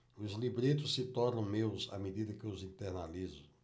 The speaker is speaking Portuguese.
os libretos se tornam meus à medida que os internalizo